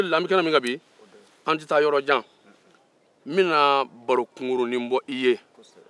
an bɛ kɛnɛ min kan bi an tɛ taa yɔrɔ jan n bɛna baro kunkurunnin bɔ i ye